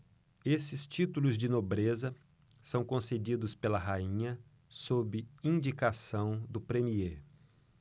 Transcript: esses títulos de nobreza são concedidos pela rainha sob indicação do premiê